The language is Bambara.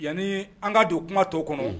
Yanii an ka don kuma tɔ kɔnɔ unhun